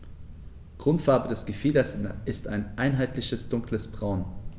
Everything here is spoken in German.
Grundfarbe des Gefieders ist ein einheitliches dunkles Braun.